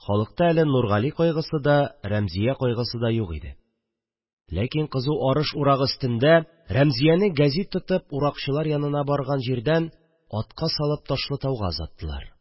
Халыкта әле Нургали кайгысы да, Рәмзия кайгысы да юк иде – ләкин кызу арыш урагы өстендә Рәмзияне гәзит тотып уракчылар янына барган җирдән атка салып Ташлытауга озаттылар